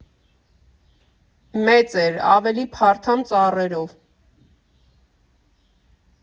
Մեծ էր ավելի, փառթամ ծառերով։